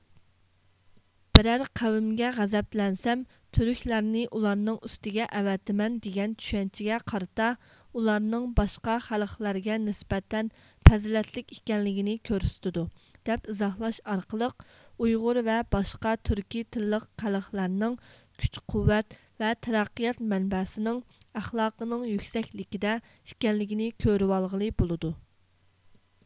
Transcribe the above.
بىرەر قەۋمگە غەزەپلەنسەم تۈركلەرنى ئۇلارنىڭ ئۈستىگە ئەۋەتىمەن دېگەن چۈشەنچىگە قارىتا ئۇلارنىڭ باشقا خەلقلەرگە نىسبەتەن پەزىلەتلىك ئىكەنلىكىنى كۆرسىتىدۇ دەپ ئىزاھلاش ئارقىلىق ئۇيغۇر ۋە باشقا تۈركىي تىللىق خەلقلەرنىڭ كۈچ قۇۋۋەت ۋە تەرەققىيات مەنبەسىنىڭ ئەخلاقىنىڭ يۈكسەكلىكىدە ئىكەنلىكىنى كۆرۋلغىلى بولىدۇ